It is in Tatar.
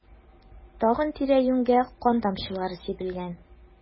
Тагын тирә-юньгә кан тамчылары сибелгән.